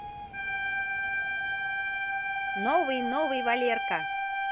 новый новый валерка